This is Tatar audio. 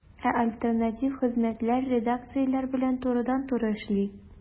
Ә альтернатив хезмәтләр редакцияләр белән турыдан-туры эшли.